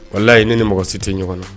Walayi ne ni mɔgɔsi tɛ ɲɔgɔn na.